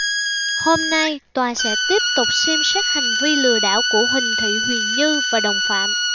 hôm nay tòa sẽ tiếp tục xem xét hành vi lừa đảo của huỳnh thị huyền như và đồng phạm